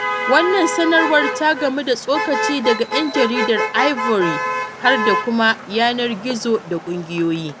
Wannan sanarwar ta gamu da tsokaci daga ƴan jaridar Ivory har da kuma yanar gizo da ƙungiyoyi.